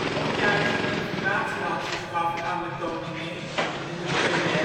onjuiste informatie had verschaft aan de koningin en de premier